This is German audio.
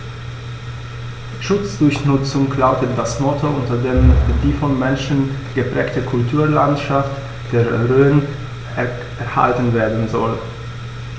„Schutz durch Nutzung“ lautet das Motto, unter dem die vom Menschen geprägte Kulturlandschaft der Rhön erhalten werden soll.